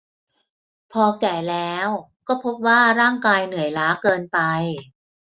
พอแก่แล้วก็พบว่าร่างกายเหนื่อยล้าเกินไป